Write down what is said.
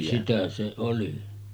sitä se oli